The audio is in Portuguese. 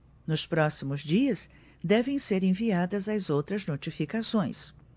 nos próximos dias devem ser enviadas as outras notificações